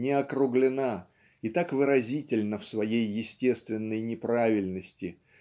не округлена и так выразительна в своей естественной неправильности